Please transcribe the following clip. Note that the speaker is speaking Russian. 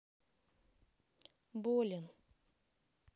болен